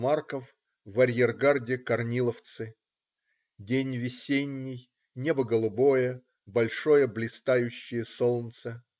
Марков, в арьергарде - корниловцы. День весенний. Небо голубое. Большое блистающее солнце.